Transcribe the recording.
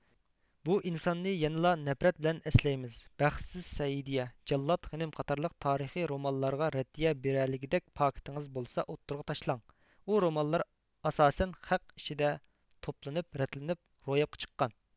بۇ ئىنساننى يەنىلا نەپرەت بىلەن ئەسلەيمىز بەختسىز سەئىدىيە جاللات خېنىم قاتارلىق تارىخى رومانلارغا رەددىيە بېرەلىگىدەك پاكىتىڭىز بولسا ئوتتۇرغا تاشلاڭ ئۇ رومانلار ئاساسەن خەق ئىچىدىن توپلىنىپ رەتلىنىپ روياپقا چىققان